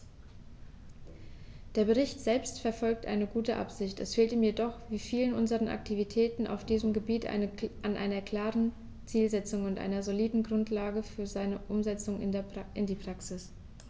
Der Bericht selbst verfolgt eine gute Absicht, es fehlt ihm jedoch wie vielen unserer Aktivitäten auf diesem Gebiet an einer klaren Zielsetzung und einer soliden Grundlage für seine Umsetzung in die Praxis.